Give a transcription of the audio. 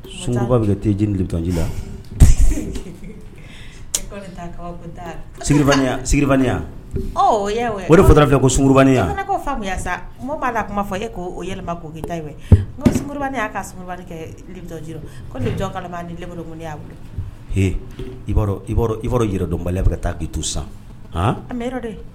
Sun bɛ te lijiyaya o fɛ ko sunya ko faamuyamuya sa b'a la kuma fɔ yɛlɛ ko sunban' ka sabali kɛ ji ni b'a bolo h i yɛrɛdɔnba taa bi tu san an bɛ dɛ